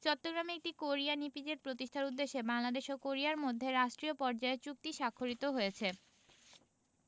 চট্টগ্রামে একটি Korean EPZ প্রতিষ্ঠার উদ্দেশ্যে বাংলাদেশ ও কোরিয়ার মধ্যে রাষ্ট্রীয় পর্যায়ে চুক্তি স্বাক্ষরিত হয়েছে